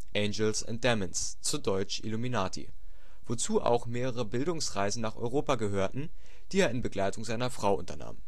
Angels and Demons (deutsch: Illuminati), wozu auch mehrere Bildungsreisen nach Europa gehörten, die er in Begleitung seiner Frau unternahm